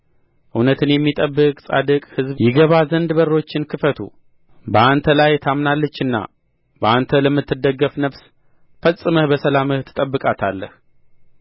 እውነትን የሚጠብቅ ጻድቅ ሕዝብ ይገባ ዘንድ በሮችን ክፈቱ በአንተ ታምናለችና በአንተ ለምትደገፍ ነፍስ ፈጽመህ በሰላም ትጠብቃታለህ